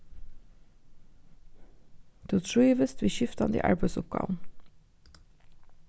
tú trívist við skiftandi arbeiðsuppgávum